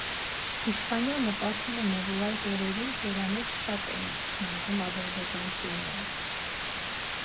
Իշխանյանը պատմում է, որ այդ օրերին հյուրանոց շատ էին զանգում ադրբեջանցիները.